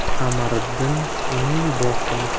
qamariddin uning boshini